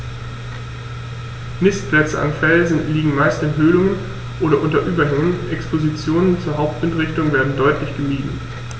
Nistplätze an Felsen liegen meist in Höhlungen oder unter Überhängen, Expositionen zur Hauptwindrichtung werden deutlich gemieden.